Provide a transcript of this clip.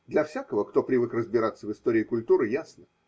Для всякого, кто привык разбираться в истории культуры, ясно.